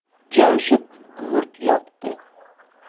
jamshid gugurt yoqdi